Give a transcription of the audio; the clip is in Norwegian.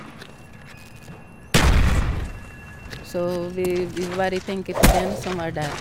Så vi vi bare tenker på dem som er der.